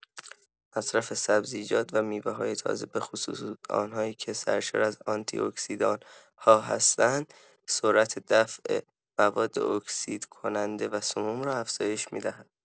مصرف سبزیجات و میوه‌های تازه به‌خصوص آن‌هایی که سرشار از آنتی‌اکسیدان‌ها هستند، سرعت دفع مواد اکسیدکننده و سموم را افزایش می‌دهد.